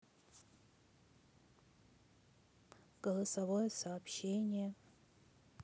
голосовое сообщение